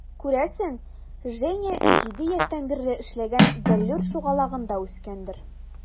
Күрәсең, Женя 7 яшьтән бирле эшләгән "Бәллүр" шугалагында үскәндер.